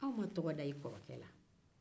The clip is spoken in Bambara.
anw ma tɔgɔ da i kɔrɔkɛ la